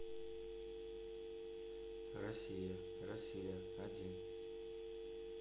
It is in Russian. россия россия один